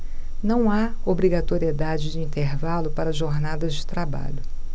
não há obrigatoriedade de intervalo para jornadas de trabalho